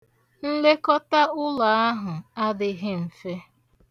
Nlekọta ụlọ ahụ adịghị mfe.